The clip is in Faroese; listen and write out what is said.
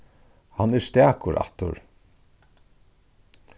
hann er stakur aftur